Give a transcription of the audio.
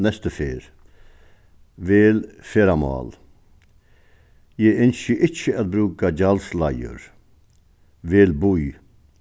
næstu ferð vel ferðamál eg ynski ikki at brúka gjaldsleiðir vel bý